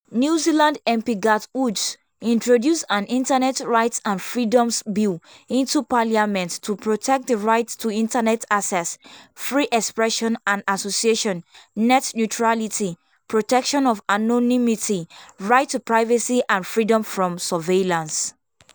New Zealand MP Garth Hughes introduced an Internet Rights and Freedoms Bill into Parliament to protect the right to Internet access, free expression and association, net neutrality, protection of anonymity, right to privacy and freedom from surveillance.